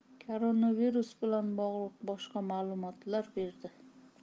koronavirus bilan bog'liq boshqa ma'lumotlar berdi